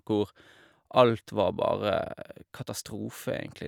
Hvor alt var bare katastrofe, egentlig.